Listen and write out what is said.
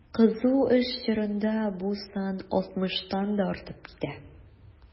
Кызу эш чорында бу сан 60 тан да артып китә.